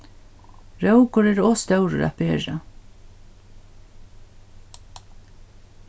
rókur er ov stórur at bera